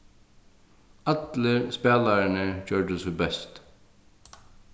allir spælararnir gjørdu sítt besta